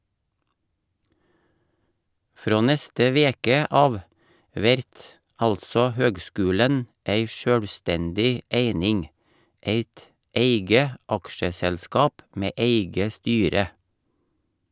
Frå neste veke av vert altså høgskulen ei sjølvstendig eining , eit eige aksjeselskap med eige styre.